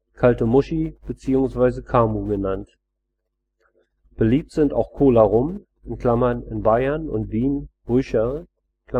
kalte Muschi bzw. KaMu genannt. Beliebt sind auch Cola-Rum (in Bayern und Wien Rüscherl) mit